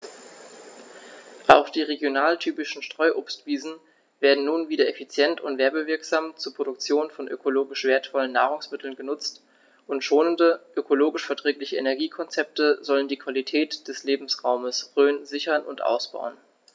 Auch die regionaltypischen Streuobstwiesen werden nun wieder effizient und werbewirksam zur Produktion von ökologisch wertvollen Nahrungsmitteln genutzt, und schonende, ökologisch verträgliche Energiekonzepte sollen die Qualität des Lebensraumes Rhön sichern und ausbauen.